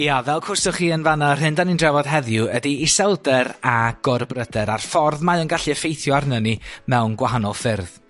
Ia fel clywsoch chi yn fan 'na, 'rhyn 'dan ni'n drafod heddiw ydi iselder a gorbryder ar ffordd mae o'n gallu effeithio arnyn ni mewn gwahanol ffyrdd.